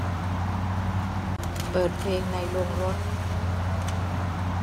เปิดเพลงในโรงรถ